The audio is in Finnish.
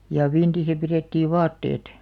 ja vintissä pidettiin vaatteet